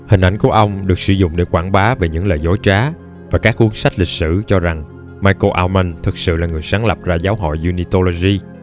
hình ảnh của ông được sử dụng để quảng bá về những lời dối trá và các cuốn sách lịch sử cho rằng michael altman thực sự là người sáng lập ra giáo hội unitology